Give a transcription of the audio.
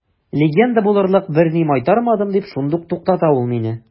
Легенда булырлык берни майтармадым, – дип шундук туктата ул мине.